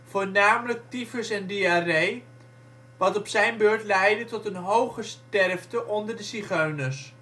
voornamelijk tyfus en diarree, wat op zijn beurt leidde tot een hoge sterfte onder de zigeuners